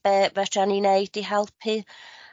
be' fetra ni neud i helpu